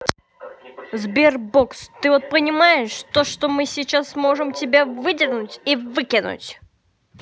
sberbox ты вот понимаешь то что мы сейчас можем тебя выдернуть и выкинуть